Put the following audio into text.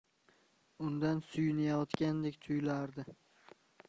undan suyunayotgandek tuyulardi